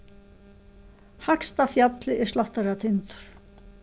hægsta fjallið er slættaratindur